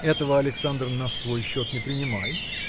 Этого, Александр, на свой счет не принимай